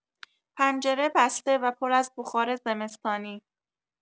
پنجره بسته و پر از بخار زمستانی